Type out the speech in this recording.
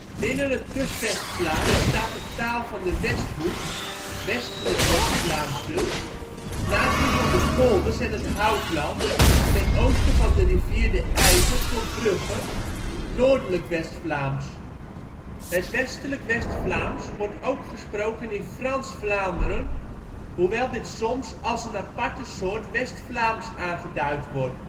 Binnen het Kustwest-Vlaams staat de taal van de Westhoek, westelijk West-Vlaams dus, naast die van De Polders en het Houtland (ten oosten van de rivier de IJzer tot Brugge), noordelijk West-Vlaams. Het westelijk West-Vlaams wordt ook gesproken in Frans-Vlaanderen, hoewel dit soms als een apart soort West-Vlaams aangeduid wordt